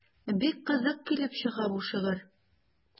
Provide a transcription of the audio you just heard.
Бик кызык килеп чыга бу шигырь.